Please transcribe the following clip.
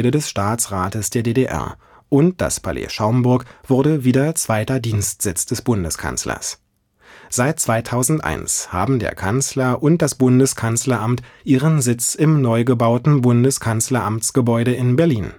des Staatsrates der DDR, und das Palais Schaumburg wurde wieder zweiter Dienstsitz des Bundeskanzlers. Seit 2001 haben der Kanzler und das Bundeskanzleramt ihren Sitz im neugebauten Bundeskanzleramtsgebäude in Berlin